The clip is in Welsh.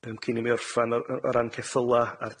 yym cyn i mi orffan o- o- o ran ceffyla' a'r